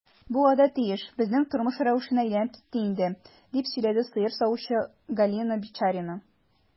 Бу гадәти эш, безнең тормыш рәвешенә әйләнеп китте инде, - дип сөйләде сыер савучы Галина Бичарина.